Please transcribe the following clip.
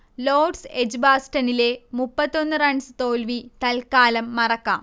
Lord's എജ്ബാസ്റ്റനിലെ മുപ്പത്തിഒന്ന് runs തോൽവി തൽക്കാലം മറക്കാം